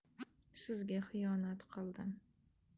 sizga xiyonat qildim